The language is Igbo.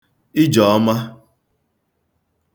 ijèọma